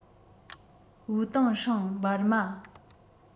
ཝུའུ ཏེང ཧྲེང འབར མ